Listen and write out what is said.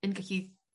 yn gyllu